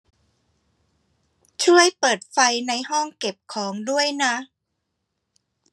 ช่วยเปิดไฟในห้องเก็บของด้วยนะ